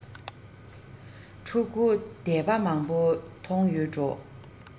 ཕྲུ གུ བསྡད པ མང པོ མཐོང ཡོད འགྲོ